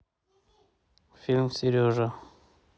фильм сережа